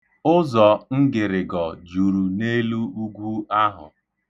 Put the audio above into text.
Ụzọ ngịrịgọ juru n'elu ugwu ahụ.